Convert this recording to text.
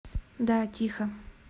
да тихо